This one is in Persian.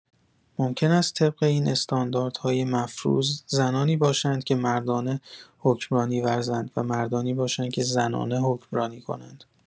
ممکن است طبق این استانداردهای مفروض زنانی باشند که مردانه حکمرانی ورزند و مردانی باشند که زنانه حکمرانی کنند.